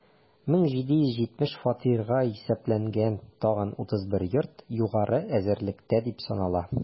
1770 фатирга исәпләнгән тагын 31 йорт югары әзерлектә дип санала.